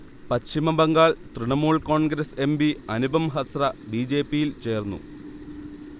Paschim Bangal Trinamool Congress MP Anupam Hazra ബിജെപിയിൽ ചേർന്നു